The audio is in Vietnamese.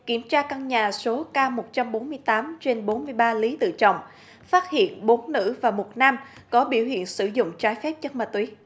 kiểm tra căn nhà số ca một trăm bốn mươi tám trên bốn mươi ba lý tự trọng phát hiện bốn nữ và một nam có biểu hiện sử dụng trái phép chất ma túy